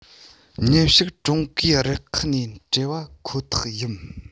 ཉིན ཞིག ཀྲུང གོའི རུ ཁག ནས བྲལ བ ཁོ ཐག ཡིན